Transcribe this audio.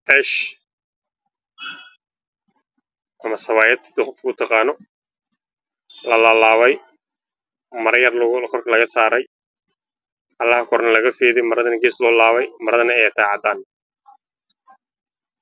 Meeshaan waxaa ka ceesh ama sabaayad lalaalabay